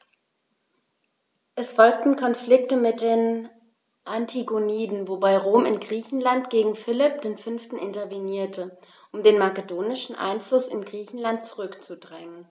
Es folgten Konflikte mit den Antigoniden, wobei Rom in Griechenland gegen Philipp V. intervenierte, um den makedonischen Einfluss in Griechenland zurückzudrängen.